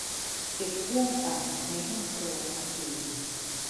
ปิดเครื่องปั่นในห้องครัวทันที